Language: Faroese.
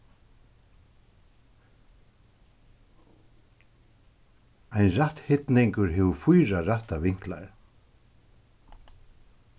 ein rætthyrningur hevur fýra rættar vinklar